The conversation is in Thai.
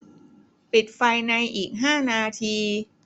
ปิดไฟในอีกห้านาที